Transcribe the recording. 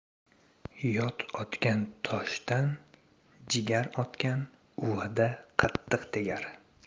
yot otgan toshdan jigar otgan uvada qattiq tegar